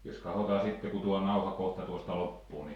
jos katsotaan sitten kun tuo nauha kohta tuosta loppuu niin